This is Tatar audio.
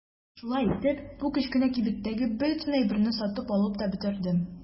Шулай итеп бу кечкенә кибеттәге бөтен әйберне сатып алып та бетердем.